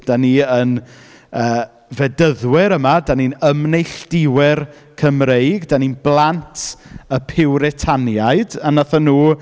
Dan ni yn yy fedyddwyr yma. Dan ni'n ymneilltuwyr Cymreig, dan ni'n blant y Piwritaniaid, a wnaethon nhw...